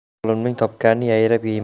cholimning topganini yayrab yeyman